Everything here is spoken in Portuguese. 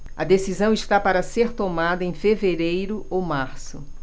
a decisão está para ser tomada em fevereiro ou março